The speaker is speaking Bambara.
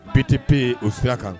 Bere tɛ pe yen ofiya kan